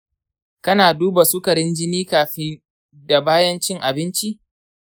kana duba sukarin jini kafin da bayan cin abinci?